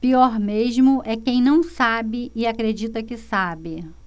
pior mesmo é quem não sabe e acredita que sabe